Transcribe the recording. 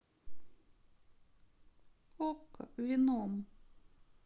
окко веном